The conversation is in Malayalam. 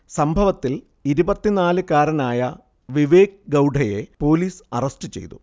സംഭവത്തിൽ ഇരുപത്തിനാല്കാരനായ വിവേക് ഗൌഡയെ പൊലീസ് അറസ്റ്റ് ചെയ്തു